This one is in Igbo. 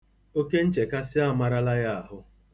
Oke nchekasị amarala ya ahụ.